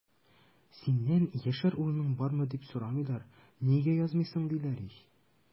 Синнән яшәр урының бармы, дип сорамыйлар, нигә язмыйсың, диләр ич!